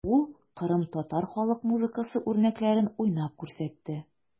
Ул кырымтатар халык музыкасы үрнәкләрен уйнап күрсәтте.